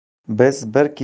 biz bir kecha